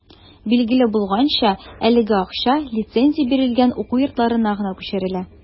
Билгеле булганча, әлеге акча лицензия бирелгән уку йортларына гына күчерелә.